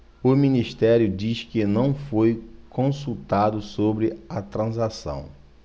o ministério diz que não foi consultado sobre a transação